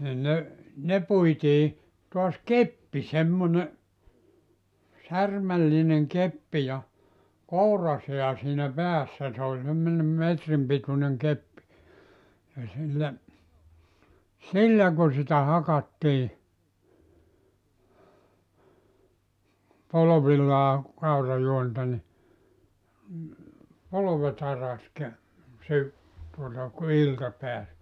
niin ne ne puitiin taas keppi semmoinen särmällinen keppi ja kouransää siinä päässä se oli semmoinen metrin pituinen keppi ja sillä sillä kun sitä hakattiin polvillaan kaurajuonta niin polvet araksi -- tuota kun ilta pääsi